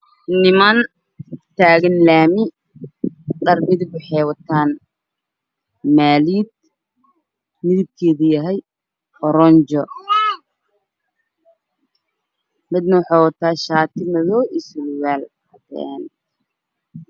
Waa wiilal taagan lami fanaanada ayey qabaan kalarkooda waa guduud guri dabaq ayaa ka dambeeyay oo dajisan